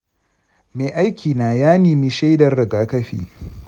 mai aikina ya nemi shaidar rigakafi.